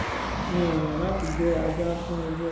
Mi ò yàn láti jẹ́ ajà-fún-ojú-ọjọ́.